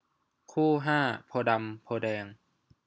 คู่ห้าโพธิ์ดำโพธิ์แดง